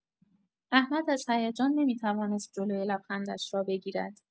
احمد از هیجان نمی‌توانست جلوی لبخندش را بگیرد.